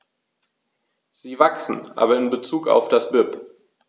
Sie wachsen, aber in bezug auf das BIP.